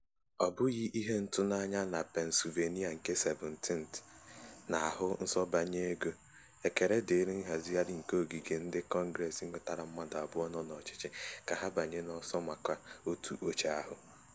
Ọ bụghị ihe ntụnanya na Pennsylvannia nke 17th na ahụ nsọbanye ego, ekele dịịrị nhazigharị nke ogige ndị kọngress nwetara mmadụ abụọ nọ n’ọchịchị ka ha banye n’ọsọ maka otu oche ahụ.